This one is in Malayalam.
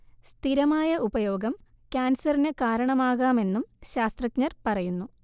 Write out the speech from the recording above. സ്ഥിരമായ ഉപയോഗം കാൻസറിന് കാരണമാകാമെന്നും ശാസ്ത്രജഞർ പറയുന്നു